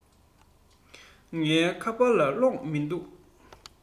ངའི ཁ པར ལ གློག མིན འདུག